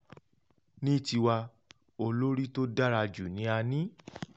Ní tiwa, olórí tó dára jù ni a ní.